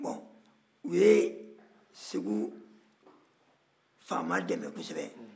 u ye segu faama dɛmɛ kosɛbɛ